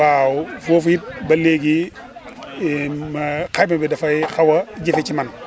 waaw foofu it ba léegi ma xayma bi dafay xaw a jafe ci man